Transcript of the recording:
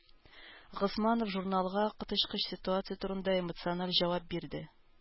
Госманов журналга коточкыч ситуация турында эмоциональ җавап бирде.